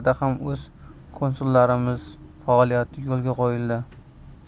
ham o'z konsulxonalarimiz faoliyati yo'lga qo'yildi